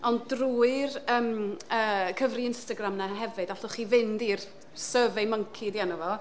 Ond, drwy'r yym yy cyfrif Instagram 'na hefyd, allwch chi fynd i'r Survey Monkey 'di enw fo.